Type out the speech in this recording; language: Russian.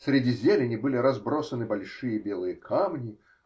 Среди зелени были разбросаны большие белые камни